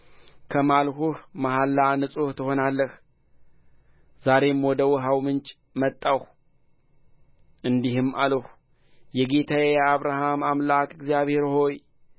ካማልሁህ መሐላ ንጹሕ ትሆናለህ ዛሬም ወደ ውኃው ምንጭ መጣሁ እንዲህም አልሁ የጌታዬ የአብርሃም አምላክ እግዚአብሔር ሆይ